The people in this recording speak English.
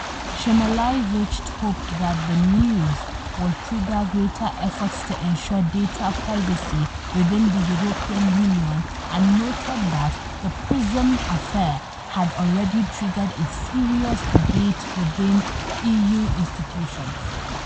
Szymielewicz hoped that the news would trigger greater efforts to ensure data privacy within the European Union, and noted that the “PRISM affair” had already triggered a “serious debate” within EU institutions.